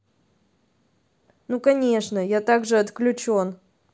ну конечно я так же отключен